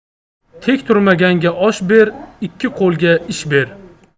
tek turmaganga osh ber ikki qo'liga ish ber